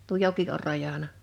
tuo joki on rajana